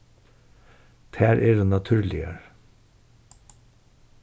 tær eru natúrligar